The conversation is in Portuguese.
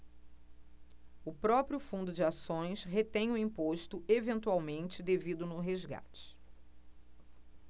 o próprio fundo de ações retém o imposto eventualmente devido no resgate